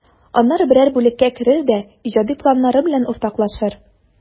Аннары берәр бүлеккә керер дә иҗади планнары белән уртаклашыр.